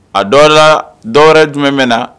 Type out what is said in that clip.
A dɔ dɔw wɛrɛ jumɛn mɛn na